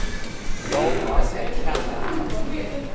jón vaskaði kamarið hjá sær